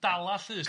Dala llys?